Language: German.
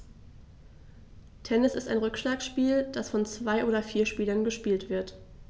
Tennis ist ein Rückschlagspiel, das von zwei oder vier Spielern gespielt wird.